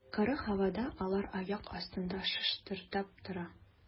Коры һавада алар аяк астында чыштырдап тора.